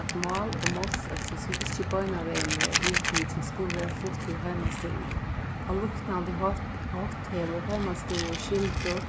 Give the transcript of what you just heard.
at mál og málsøki sum ikki beinan vegin verða yvirtikin skulu verða flutt til heimastýrið á líknandi hátt hevur heimastýrið skyldu